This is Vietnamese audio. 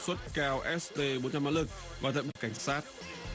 suất cao s tê bốn trăm mã lực và thâm cảnh sát